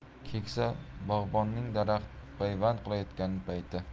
keksa bog'bonning daraxt payvand qilayotgan payti